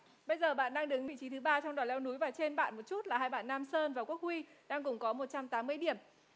bây giờ bạn đang đứng vị trí thứ ba trong đoàn leo núi và trên bạn một chút là hai bạn nam sơn và quốc huy đang cùng có một trăm tám mươi điểm